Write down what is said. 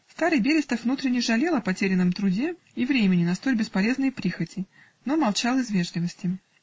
Старый Берестов внутренно жалел о потерянном труде и времени на столь бесполезные прихоти, но молчал из вежливости.